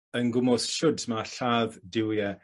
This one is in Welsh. yn gwmws shwd ma' lladd duwie.